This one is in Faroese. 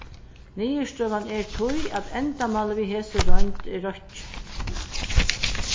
niðurstøðan er tí at endamálið við hesi roynd er rokkið